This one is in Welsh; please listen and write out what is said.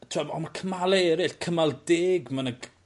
A t'wod on' ma' cymale eryll. Cymal deg ma' 'na g-